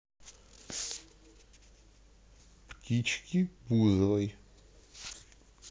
птички бузовой